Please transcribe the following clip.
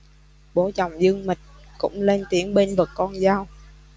bố chồng dương mịch cũng lên tiếng bênh vực con dâu